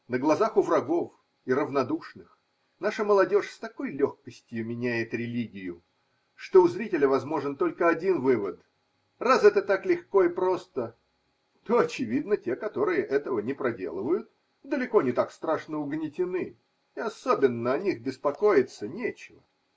На глазах у врагов и равнодушных наша молодежь с такой легкостью меняет религию, что у зрителя возможен только один вывод: раз это так легко и просто, то, очевидно, те, которые этого не проделывают, далеко не так страшно угнетены, и особенно о них беспокоиться нечего.